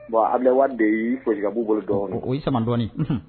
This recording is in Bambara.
Bon awa de y yesikabu bolo dɔɔnin o ye sandɔɔni